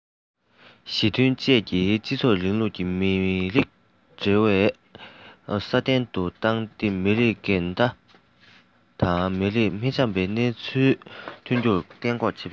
ཞི མཐུན བཅས ཀྱི སྤྱི ཚོགས རིང ལུགས ཀྱི མི རིགས འབྲེལ བ སྲ བརྟན དུ བཏང སྟེ མི རིགས འགལ ཟླ དང མི རིགས མི འཆམ པའི སྣང ཚུལ ཐོན རྒྱུ གཏན འགོག བྱེད དགོས